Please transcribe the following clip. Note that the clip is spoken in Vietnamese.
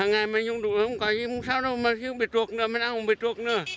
ngày mình không đủ không coi như không sao đâu mặc dù không biết truộc nựa mần răng mà biết truộc nựa